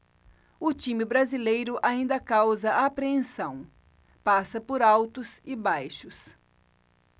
o time brasileiro ainda causa apreensão passa por altos e baixos